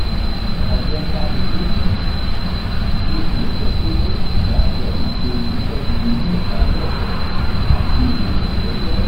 Ọjọ́ ńlá ní lòní. Bí ó tilẹ̀ jẹ́ pé Valtteri ṣe iṣẹ́ gidi ní ìparí ọ̀sẹ̀ àti èèyàn jẹ́jẹ́.